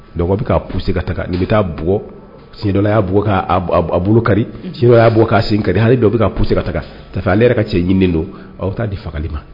Dɔw bɛ'se ka ta bɛ taaug sin' bɔ a bolo kari sin yya bɔ k'a sin kari hali dɔ bɛ kase ka ta tafe ale yɛrɛ ka cɛ ɲinin don aw t taaa di fagali ma